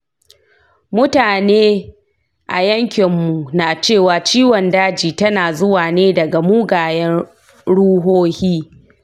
mutane a yankinmu na cewa ciwon daji tana zuwa ne daga mugayen ruhohi.